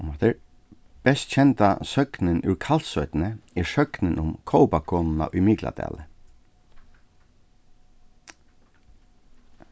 umaftur best kenda søgnin úr kalsoynni er søgnin um kópakonuna í mikladali